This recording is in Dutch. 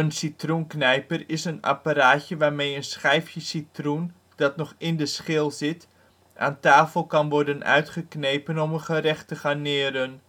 citroenknijper is een apparaatje waarmee een schijfje citroen, dat nog in de schil zit, aan tafel kan worden uitgeknepen om een gerecht te garneren